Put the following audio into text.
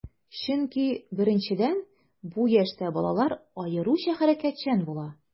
Чөнки, беренчедән, бу яшьтә балалар аеруча хәрәкәтчән була.